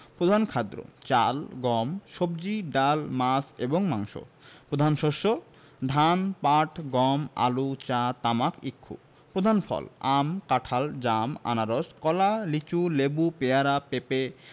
প্রধান খাদ্যঃ চাল গম সবজি ডাল মাছ এবং মাংস প্রধান শস্যঃ ধান পাট গম আলু চা তামাক ইক্ষু প্রধান ফলঃ আম কাঁঠাল জাম আনারস কলা লিচু লেবু পেয়ারা পেঁপে